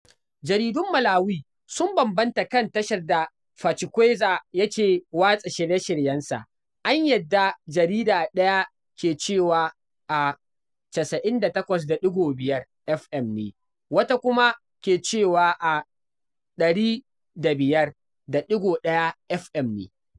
Jaridun Malawi sun bambanta kan tashar da Pachikweza yake watsa shirye-shiryensa, an yadda jarida ɗaya ke cewa a 98.5FM ne, wata kuma ke cewa a 105.1FM ne.